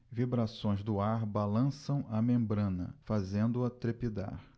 vibrações do ar balançam a membrana fazendo-a trepidar